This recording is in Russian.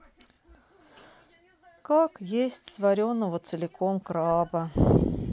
как есть сваренного целиком краба